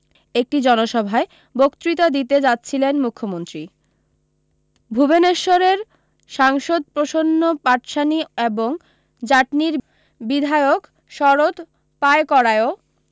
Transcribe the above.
একটি জনসভায় বক্তৃতা দিতে যাচ্ছিলেন মুখ্যমন্ত্রী ভুবনেশ্বরের সাংসদ প্রসন্ন পাটসানি এবং জাটনির বিধায়ক শরত পাইকরায়ও